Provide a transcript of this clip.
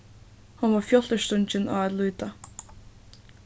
hon var fjálturstungin á at líta